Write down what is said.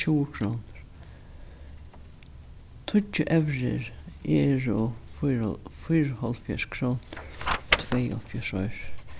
tjúgukrónur tíggju evrur eru fýraoghálvfjerðs krónur og tveyoghálvfjerðs oyrur